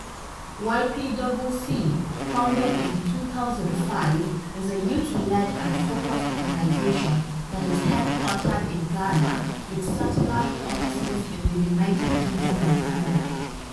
YPWC, founded in 2005, is a youth-led and -focused organisation that is headquartered in Ghana, with satellite offices in the United Kingdom and Canada.